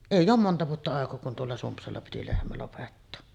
ei ole monta vuotta aikaa kun tuolla Sumpsalla piti lehmä lopettaa